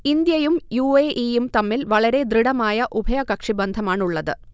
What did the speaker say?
ഇന്ത്യയും U. A. ഇയും തമ്മിൽ വളരെ ദൃഢമായ ഉഭയകക്ഷി ബന്ധമാണുള്ളത്